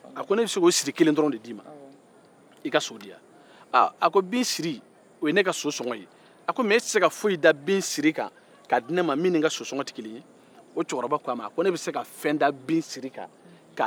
a ko mɛ e tɛ se ka foyi da bin siri kan k'a di ne man min ni sosɔgɔn tɛ kelen ye o cɛkɔrɔba ko ne bɛ se ka fɛn wɛrɛ d'i ma min n'i ka sosɔgɔn tɛ kelen ye